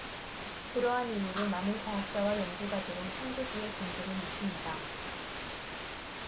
그러한 이유로 많은 과학자와 연구가들은 창조주의 존재를 믿습니다